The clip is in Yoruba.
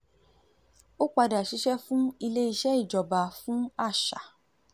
Ó padà ṣiṣẹ́ fún Ilé-iṣẹ́ Ìjọba fún Àṣà.